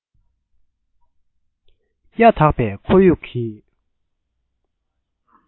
གཡའ དག པའི ཁོར ཡུག གི